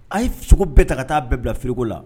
A ye sogo bɛɛ ta ka taa bɛɛ bila frico la